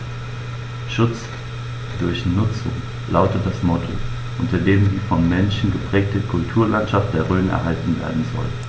„Schutz durch Nutzung“ lautet das Motto, unter dem die vom Menschen geprägte Kulturlandschaft der Rhön erhalten werden soll.